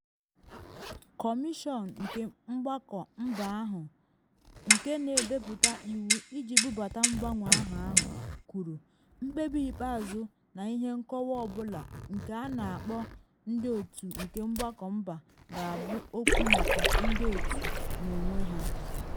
Kọmishọn nke Mgbakọ Mba ahụ, nke na edepụta iwu iji bubata mgbanwe aha ahụ, kwuru: “Mkpebi ikpeazụ na ihe nkọwa ọ bụla nke a na akpọ Ndị Otu nke Mgbakọ Mba ga-abụ okwu maka ndị otu n’onwe ha.”